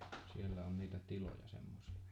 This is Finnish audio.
siellä on niitä tiloja semmoisia